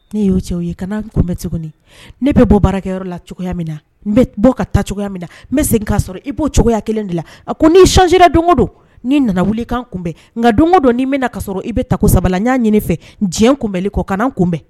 Ne y'o cɛ ye kan'a kunbɛn tuguni, ne bɛ bɔ baarakɛyɔrɔ la cogoya min na, n bɛ bɔ ka taa cogoya min na, n bɛ segin k'a sɔrɔ i b'o cogoya kelen de la, a ko n'i changé ra don o don, ni n nana wuli i ka n kunbɛn, nka don o don ni n bɛna kasɔrɔ i bɛ tako saba la n y'a ɲini i fɛ jɛn n kunbɛnli kɔ kana n kunbɛn